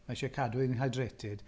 Mae isie cadw hi'n hydrated.